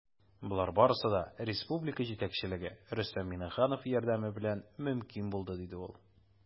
Болар барысы да республика җитәкчелеге, Рөстәм Миңнеханов, ярдәме белән мөмкин булды, - диде ул.